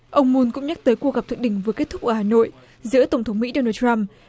ông mun cũng nhắc tới cuộc gặp thượng đỉnh vừa kết thúc ở hà nội giữa tổng thống mỹ đo nồ trăm